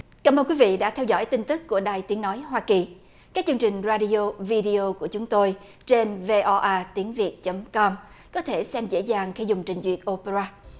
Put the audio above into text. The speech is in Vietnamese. cảm ơn quý vị đã theo dõi tin tức của đài tiếng nói hoa kỳ các chương trình ra đi ô vi đi ô của chúng tôi trên vê o a tiếng việt chấm com có thể xem dễ dàng khi dùng trình duyệt ô pê ra